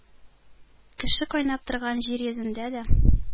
Кеше кайнап торган җир йөзендә дә